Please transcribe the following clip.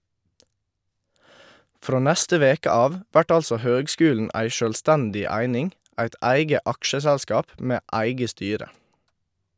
Frå neste veke av vert altså høgskulen ei sjølvstendig eining, eit eige aksjeselskap med eige styre.